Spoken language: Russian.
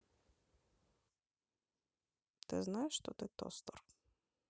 ты знаешь что ты тостер